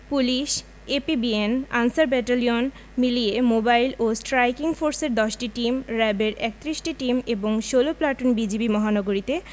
police APBN Ansar battalion মিলিয়ে mobile ও striking ফোর্সের ১০টি টিম রেবের ৩১টি টিম এবং ১৬ প্লাটুন বিজিবি মহানগরীতে